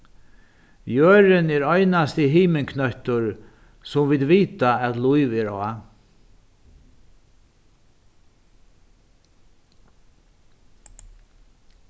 jørðin er einasti himinknøttur sum vit vita at lív er á